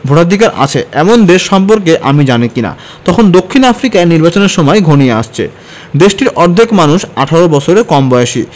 ভোটাধিকার আছে এমন দেশ সম্পর্কে আমি জানি কি না তখন দক্ষিণ আফ্রিকায় নির্বাচনের সময় ঘনিয়ে আসছে দেশটির অর্ধেক মানুষ ১৮ বছরের কম বয়সী